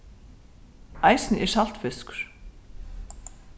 eisini er saltfiskur